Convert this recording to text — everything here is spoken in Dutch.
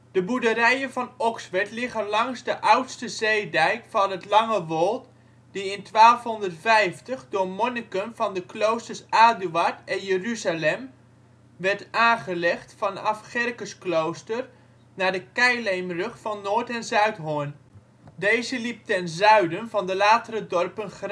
De boerderijen van Okswerd liggen langs de oudste zeedijk van het Langewold, die in 1250 door monniken van de kloosters Aduard en Jeruzalem (Gerkesklooster) werd aangelegd vanaf Gerkesklooster naar de keileemrug van Noord - en Zuidhorn. Deze liep ten zuiden van de latere dorpen Grijpskerk